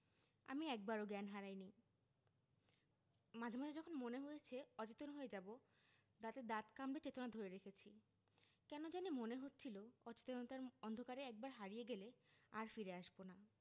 আমি একবারও জ্ঞান হারাইনি মাঝে মাঝে যখন মনে হয়েছে অচেতন হয়ে যাবো দাঁতে দাঁত কামড়ে চেতনা ধরে রেখেছি কেন জানি মনে হচ্ছিলো অচেতনতার অন্ধকারে একবার হারিয়ে গেলে আর ফিরে আসবো না